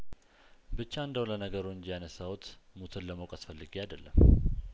ብቻ እንደው ለነገሩ እንጂ ያነሳ ሁት ሙትን ለመውቀስ ፈልጌ አይደለም